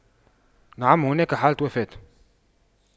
نعم هناك حالة وفاة